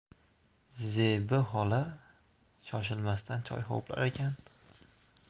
zebi xola shoshilmasdan choy ho'plarkan